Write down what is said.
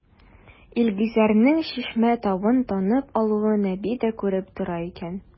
Илгизәрнең Чишмә тавын танып алуын әби дә күреп тора икән.